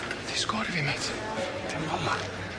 Ti scorio fi mêt. Dim yma!